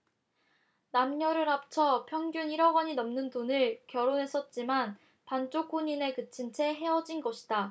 남녀를 합쳐 평균 일 억원이 넘는 돈을 결혼에 썼지만 반쪽 혼인에 그친 채 헤어진 것이다